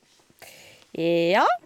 Ja.